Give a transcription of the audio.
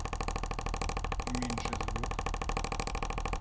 уменьши звук